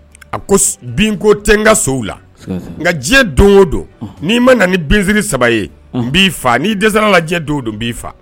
A ko binko tɛ n ka sow la nka diɲɛ don o don n'i ma na ni binsiri saba ye n b'i faa n' dɛsɛra lajɛ do don b'i faa